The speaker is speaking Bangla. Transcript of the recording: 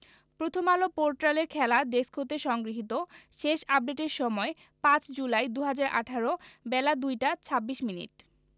প্রথমআলো পোর্টালের খেলা ডেস্ক হতে সংগৃহীত শেষ আপডেটের সময় ৫ জুলাই ২০১৮ বেলা ২টা ২৬মিনিট